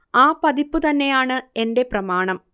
ആ പതിപ്പ് തന്നെയാണ് എന്റെ പ്രമാണം